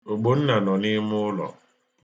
Ogbonna nọ n'imụlọ.